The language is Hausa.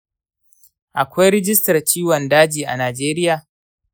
akwai rajistar ciwon daji a najeriya?